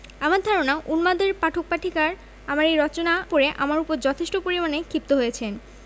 আমার ধারণা উন্মাদের পাঠক পাঠিকার আমার এই রচনা পড়ে আমার উপর যথেষ্ট পরিমাণে ক্ষিপ্ত হয়েছেন